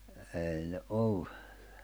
ei ne ollut